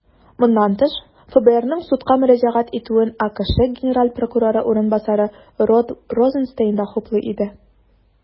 Моннан тыш, ФБРның судка мөрәҗәгать итүен АКШ генераль прокуроры урынбасары Род Розенстейн да хуплый иде.